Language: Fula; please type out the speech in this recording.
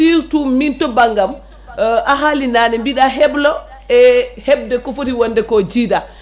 surtout min to banggam a haali naane mbiɗa heblo e hebde ko foti wonde ko jiida